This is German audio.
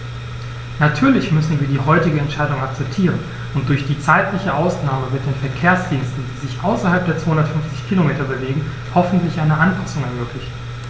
Natürlich müssen wir die heutige Entscheidung akzeptieren, und durch die zeitliche Ausnahme wird den Verkehrsdiensten, die sich außerhalb der 250 Kilometer bewegen, hoffentlich eine Anpassung ermöglicht.